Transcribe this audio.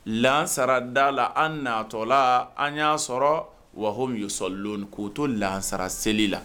Lasara dala la an na tɔla an y'a sɔrɔ wa ye sɔrɔlon koto lasara seli la